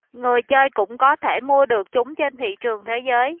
người chơi cũng có thể được mua được chúng trên thị trường thế giới